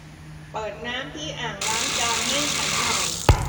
เปิดน้ำที่อ่างล้างจานให้ฉันหน่อย